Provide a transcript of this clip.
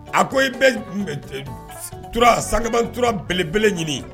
A ko i bɛ tura, sankaba tura belebele ɲini